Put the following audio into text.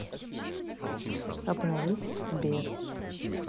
обновить сбер